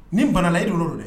Nin bana la e i don wolo dɛ